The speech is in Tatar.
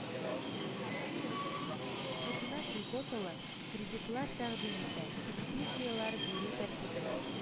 Хөкүмәт льготалы кредитлар тәкъдим итә, субсидияләр бирү тәртибе